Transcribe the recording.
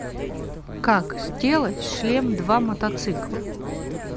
как сделать шлем два мотоцикла